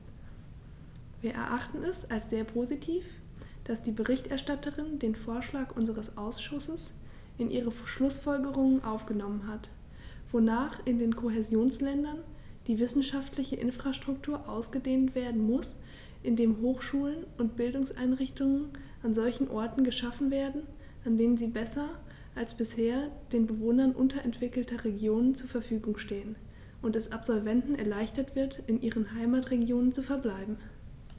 Wir erachten es als sehr positiv, dass die Berichterstatterin den Vorschlag unseres Ausschusses in ihre Schlußfolgerungen aufgenommen hat, wonach in den Kohäsionsländern die wissenschaftliche Infrastruktur ausgedehnt werden muss, indem Hochschulen und Bildungseinrichtungen an solchen Orten geschaffen werden, an denen sie besser als bisher den Bewohnern unterentwickelter Regionen zur Verfügung stehen, und es Absolventen erleichtert wird, in ihren Heimatregionen zu verbleiben.